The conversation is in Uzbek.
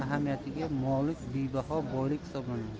ahamiyatiga molik bebaho boylik hisoblanadi